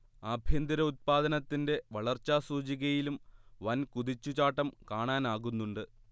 ആഭ്യന്തര ഉത്പാദനത്തിന്റെ വളർച്ചാ സൂചികയിലും വൻകുതിച്ചു ചാട്ടം കാണാനാകുന്നുണ്ട്